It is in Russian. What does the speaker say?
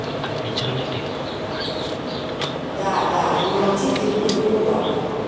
да да вы молчите вы оба